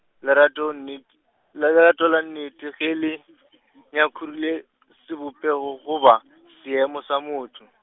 lerato nnet-, lerato la nnete ge le, nyakurele, sebopego goba, seemo sa motho.